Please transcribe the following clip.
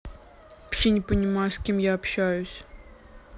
вообще не понимаю с кем я общаюсь